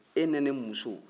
e ni ne muso